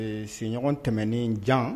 Ee siɲɔgɔn tɛmɛnen jan